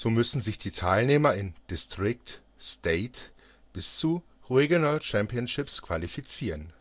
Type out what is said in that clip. müssen sich die Teilnehmer in District, State bis zu Regional Championships qualifizieren